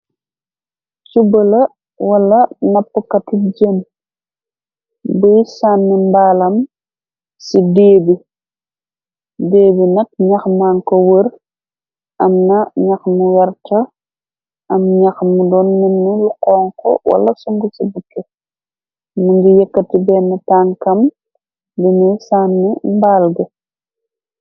Cubala wala nappukat ti jen, buy sànni mbaalam ci déebi, déebi nak ñax manko wër, amna ñax mu werta, am ñax mu doon minni lu xonxu, wala sungusi bukki, mungi yekkati benne tankam ba muy sànni mbaal gi.